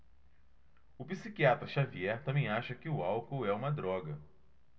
o psiquiatra dartiu xavier também acha que o álcool é uma droga